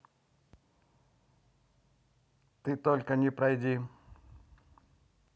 ты только не пройди